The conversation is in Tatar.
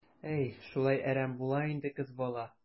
Әй, шулай әрәм була инде кыз бала.